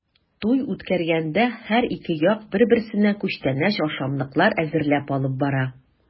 Туй үткәргәндә һәр ике як бер-берсенә күчтәнәч-ашамлыклар әзерләп алып бара.